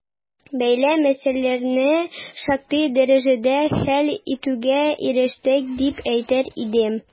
Бәйле мәсьәләне шактый дәрәҗәдә хәл итүгә ирештек, дип әйтер идем.